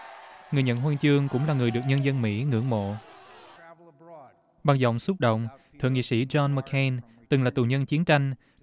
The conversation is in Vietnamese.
người nhận huân chương cũng là người được nhân dân mỹ ngưỡng mộ bằng giọng xúc động thượng nghị sĩ gion mac cên từng là tù nhân chiến tranh